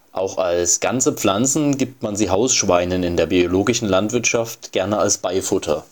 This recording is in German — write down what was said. auch als ganze Pflanzen gibt man sie Hausschweinen in der biologischen Landwirtschaft gern als Beifutter